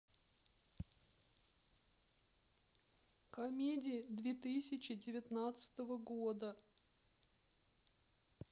комедии две тысячи девятнадцатого года